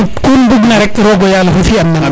ñana nuun kun mbug na rek roga yalo xe fi an na nuun